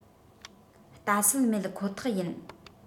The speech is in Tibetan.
ལྟ སུལ མེད ཁོ ཐག ཡིན